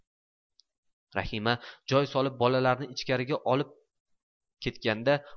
rahima joy solib bolalarini ichkariga olib kirib ketganda